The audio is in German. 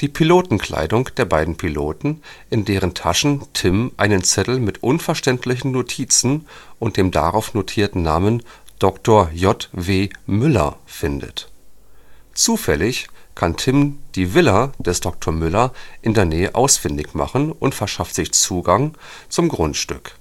Pilotenkleidung der beiden Piloten, in deren Taschen Tim einen Zettel mit unverständlichen Notizen und dem darauf notierten Namen „ Dr. J. W. Müller “findet. Zufällig kann Tim die Villa des Dr. Müller in der Nähe ausfindig machen und verschafft sich Zutritt zum Grundstück